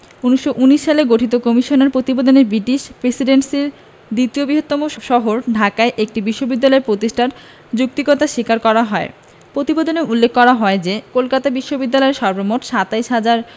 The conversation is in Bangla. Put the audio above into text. ১৯১৯ সালে গঠিত কমিশনের প্রতিবেদনে ব্রিটিশ প্রেসিডেন্সির দ্বিতীয় বৃহত্তম শহর ঢাকায় একটি বিশ্ববিদ্যালয় প্রতিষ্ঠার যৌক্তিকতা স্বীকার করা হয় প্রতিবেদনে উল্লেখ করা হয় যে কলকাতা বিশ্ববিদ্যালয়ের সর্বমোট ২৭ হাজার